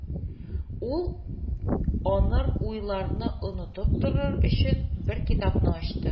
Ул, аныр уйларны онытып торыр өчен, бер китапны ачты